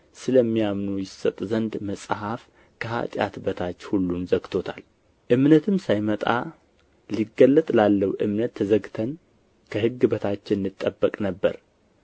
ስለሚያምኑ ይሰጥ ዘንድ መጽሐፍ ከኃጢአት በታች ሁሉን ዘግቶታል እምነትም ሳይመጣ ሊገለጥ ላለው እምነት ተዘግተን ከሕግ በታች እንጠበቅ ነበር